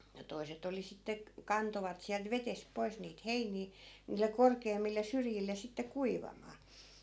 toiset oli sitten - kantoivat sieltä vedestä pois niitä heiniä niille korkeammille syrjille sitten kuivamaan